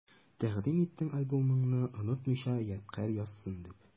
Тәкъдим иттең альбомыңны, онытмыйча ядкарь язсын дип.